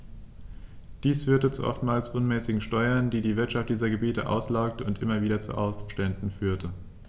Dies führte zu oftmals unmäßigen Steuern, die die Wirtschaft dieser Gebiete auslaugte und immer wieder zu Aufständen führte.